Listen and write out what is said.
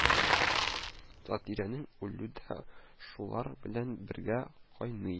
Сатирәнең үлүе дә шулар белән бергә кайный